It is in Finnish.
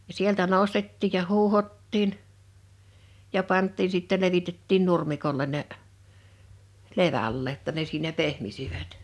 ja sieltä nostettiin ja huuhdottiin ja pantiin sitten levitettiin nurmikolle ne levälleen jotta ne siinä pehmisivät